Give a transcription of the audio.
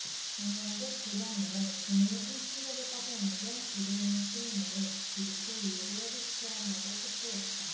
정연국 대변인은 국민이 큰 충격에 빠져 있는데 이른 시일 내에 귀국해 의혹을 해소시켜야 한다고 촉구했다